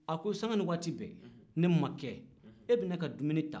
a ko sanga ni waati bɛɛ ne ma kɛ e bɛ ne ka dumuni ta